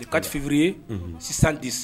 Kadifiururi ye sisan di